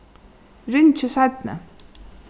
ringi seinni